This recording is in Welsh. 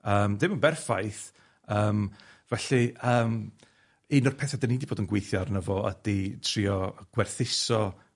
yym dim yn berffaith, yym felly yym un o'r pethe 'dan ni 'di bod yn gweithio arno fo ydi trio gwerthuso